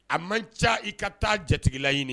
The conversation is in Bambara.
A man ca i ka taa jatigilaɲini